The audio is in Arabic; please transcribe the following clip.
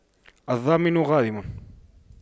الضامن غارم